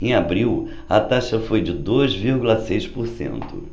em abril a taxa foi de dois vírgula seis por cento